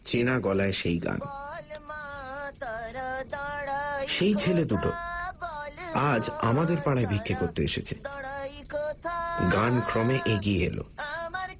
চেনা গলায় সেই গান বল মা তারা দাঁড়াই কোথা সেই ছেলে দুটো আজ আমাদের পাড়ায় ভিক্ষে করতে এসেছে গান ক্রমে এগিয়ে এল